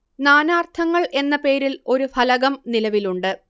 നാനാർത്ഥങ്ങൾ എന്ന പേരിൽ ഒരു ഫലകം നിലവിലുണ്ട്